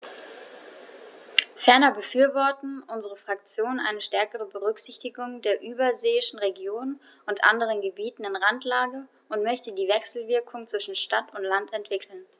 Ferner befürwortet unsere Fraktion eine stärkere Berücksichtigung der überseeischen Regionen und anderen Gebieten in Randlage und möchte die Wechselwirkungen zwischen Stadt und Land entwickeln.